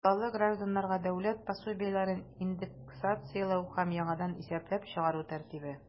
Балалы гражданнарга дәүләт пособиеләрен индексацияләү һәм яңадан исәпләп чыгару тәртибе.